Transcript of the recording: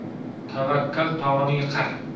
tavakkal tog'ni yiqar